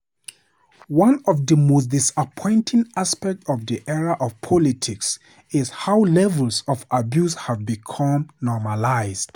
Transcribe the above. One of the most disappointing aspects of this era of politics is how levels of abuse have become normalized.